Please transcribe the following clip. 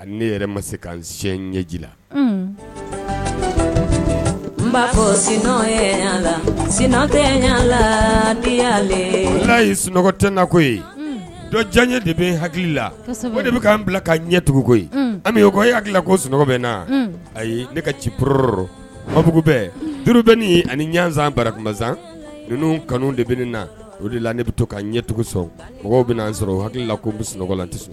Ne ma sean ɲɛji la sinala ye sunɔgɔ tɛ nako ye dɔjan ɲɛ de bɛ hakili la o de bɛ'an bila ka ɲɛ tugunko an bɛ o ko hakili ko sunɔgɔ bɛ na ayi ne ka ci poro duuru bɛ ani ɲzsan bara ninnu kanu de bɛ na o de la ne bɛ to ka ɲɛcogo sɔn mɔgɔw bɛ n'an sɔrɔ o hakilila ko n bɛ sunɔgɔ tɛ so